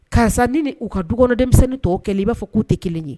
Karisa ni ni u ka dukɔnɔ denmisɛnnin tɔw kɛ i b'a fɔ k'u tɛ kelen ye